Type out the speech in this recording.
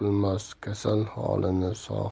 bilmas kasal holini sog'